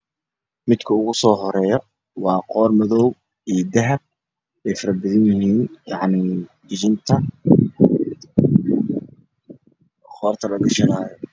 Midka ugu so horeeyo waa qoor madow iyo dahab wey fara badan yihiin yacni jijinta qorta la gashanayo